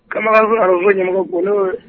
Kabakanso radio ɲɛmɔgɔ fo n'o ye